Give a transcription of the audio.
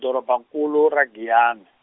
dorobankulu ra Giyani.